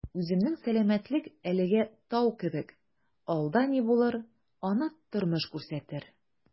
Үземнең сәламәтлек әлегә «тау» кебек, алда ни булыр - аны тормыш күрсәтер...